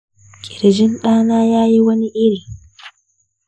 ƙirjin ɗana yayi wani iri